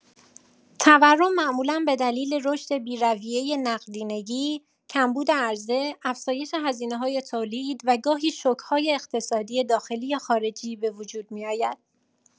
تورم معمولا به دلیل رشد بی‌رویه نقدینگی، کمبود عرضه، افزایش هزینه‌های تولید و گاهی شوک‌های اقتصادی داخلی یا خارجی به وجود می‌آید.